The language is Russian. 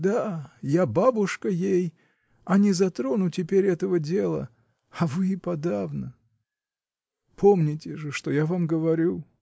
Да, я бабушка ей, а не затрону теперь этого дела, а вы и подавно. Помните же, что я вам говорю.